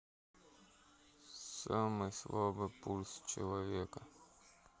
самый слабый пульс человека